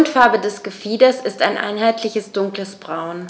Grundfarbe des Gefieders ist ein einheitliches dunkles Braun.